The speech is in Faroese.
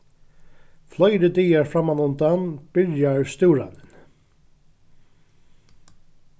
fleiri dagar frammanundan byrjar stúranin